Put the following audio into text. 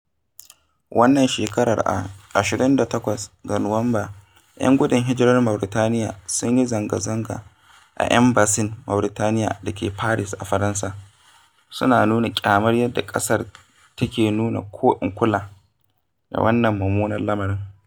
Wannan shekarar a 28 ga Nuwamba, 'yan gudun hijirar Mauritaniya sun yi zanga-zanga a embasin Mauritaniya da ke Paris, a Faransa, suna nuna ƙyamar yadda ƙasar take nuna ko-in-kula da wannan mummunan lamarin.